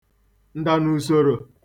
ǹdànùsòrò